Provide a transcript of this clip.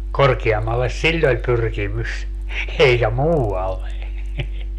korkeammalle sillä oli pyrkimys eikä muualle